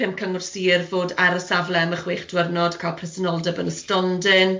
Pump cyngor Sir fod ar y safle am y chwech diwrnod, cael presenoldeb yn y stondin.